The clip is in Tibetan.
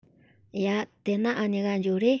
ཡ དེས ན འུ གཉིས ཀ འགྱོ རེས